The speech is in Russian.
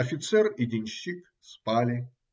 офицер и денщик спали.